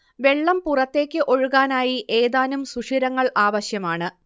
വെള്ളം പുറത്തേക്ക് ഒഴുകാനായി ഏതാനും സുഷിരങ്ങൾ ആവശ്യമാണ്